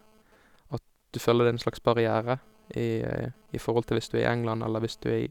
At du føler det er en slags barriere i i forhold til hvis du er i England, eller hvis du er i...